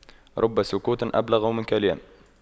رب سكوت أبلغ من كلام